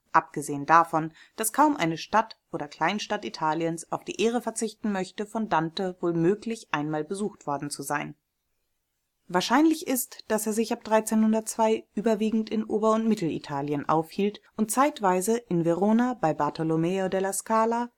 abgesehen davon, dass kaum eine Stadt oder Kleinstadt Italiens auf die Ehre verzichten möchte, von Dante womöglich einmal besucht worden zu sein. Wahrscheinlich ist, dass er sich ab 1302 überwiegend in Ober - und Mittelitalien aufhielt und zeitweise in Verona bei Bartolomeo della Scala